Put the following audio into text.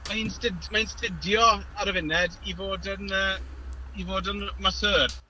Ma' hi'n stid- mae hi'n studio ar y funud i fod yn i fod yn, yy, i fod yn masseur.